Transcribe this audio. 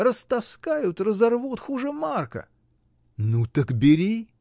Растаскают, разорвут — хуже Марка! — Ну так бери!